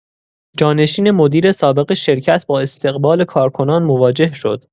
جانشین مدیر سابق شرکت با استقبال کارکنان مواجه شد.